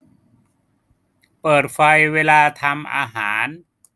เปิดไฟเวลาทำอาหาร